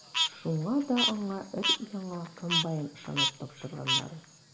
Шуңа да аңа өр-яңа комбайн ышанып тапшырганнар.